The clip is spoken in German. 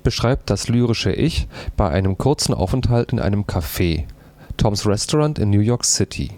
beschreibt das lyrische Ich bei einem kurzen Aufenthalt in einem Café (Tom’ s Restaurant in New York City).